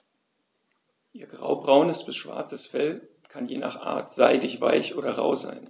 Ihr graubraunes bis schwarzes Fell kann je nach Art seidig-weich oder rau sein.